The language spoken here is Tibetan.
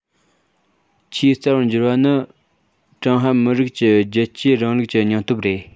ཆེས རྩ བར གྱུར པ ནི ཀྲུང ཧྭ མི རིགས ཀྱི རྒྱལ གཅེས རིང ལུགས ཀྱི སྙིང སྟོབས རེད